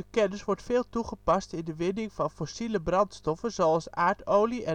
kennis wordt veel toegepast in de winning van fossiele brandstoffen zoals aardolie